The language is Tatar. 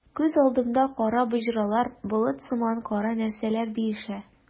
Күз алдымда кара боҗралар, болыт сыман кара нәрсәләр биешә.